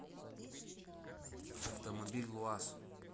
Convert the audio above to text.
автомобиль луаз